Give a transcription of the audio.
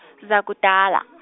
zakudala.